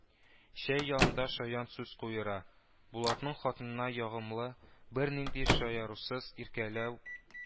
Чәй янында шаян сүз куера, Булатның хатынына ягымлы, бернинди шаярусыз иркәләү